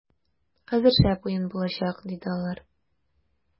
- хәзер шәп уен булачак, - диде алар.